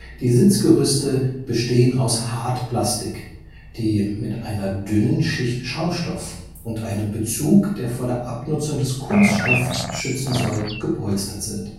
Die Sitzgerüste bestehen aus Hartplastik, die mit einer dünnen Schicht Schaumstoff und einem Bezug, der vor der Abnutzung des Kunststoffs schützen soll, gepolstert sind